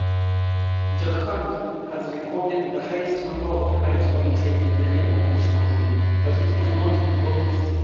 Jharkhand has recorded the highest number of crimes committed in the name of witch-hunting but it is not the only state.